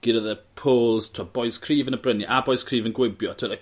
gurodd e Poels t'wod bois cryf yn y brynie a bois cryf yn gwibio t'od like